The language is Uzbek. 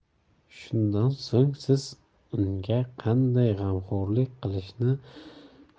shundan so'ng siz unga qanday g'amxo'rlik qilishni